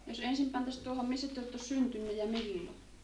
jos ensin pantaisiin tuohon missä te olette syntynyt ja milloin